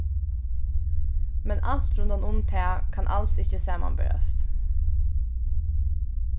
men alt rundan um tað kann als ikki samanberast